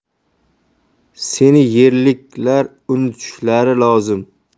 seni yerliklar unutishlari lozim